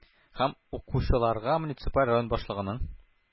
Һәм укучыларга муниципаль район башлыгының